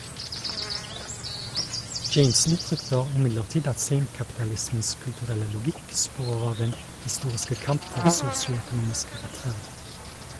Jameson frykter imidlertid at seinkapitalismens kulturelle logikk sporer av den historiske kamp for sosioøkonomisk rettferd.